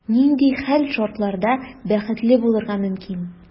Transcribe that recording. Нинди хәл-шартларда бәхетле булырга мөмкин?